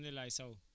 kooku kan la